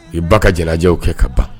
I ba ka jalaw kɛ ka ban